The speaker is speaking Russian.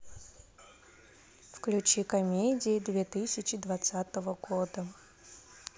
включи комедии две тысячи двадцатого года